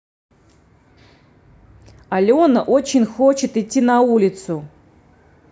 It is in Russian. alena очень хочет идти на улицу